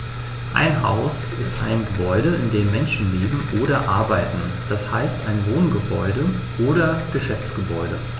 Ein Haus ist ein Gebäude, in dem Menschen leben oder arbeiten, d. h. ein Wohngebäude oder Geschäftsgebäude.